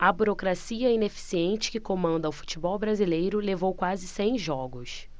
a burocracia ineficiente que comanda o futebol brasileiro levou quase cem jogos